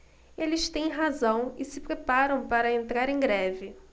eles têm razão e se preparam para entrar em greve